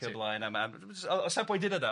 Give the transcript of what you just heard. ac yn blaen a ma' o- o'r safbwynt yna de